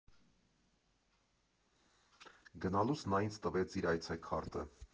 Գնալուց նա ինձ տվեց իր այցեքարտը։